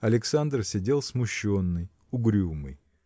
Александр сидел смущенный, угрюмый.